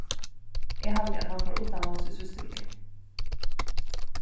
eg haldi at hann fór uttanlands í síðstu viku